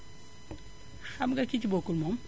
xam nga ki ci bokkul moom